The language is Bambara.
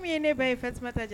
Min ye ne ba ye Fatumata ja